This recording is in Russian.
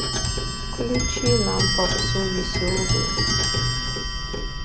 включи нам попсу веселую